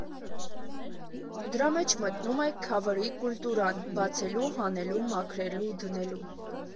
Դրա մեջ մտնում է քավըրի կուլտուրան, բացելու, հանելու, մաքրելու, դնելու։